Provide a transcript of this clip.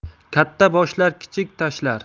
katta boshlar kichik tashlar